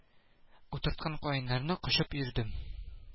Утырткан каеннарны кочып йөрдем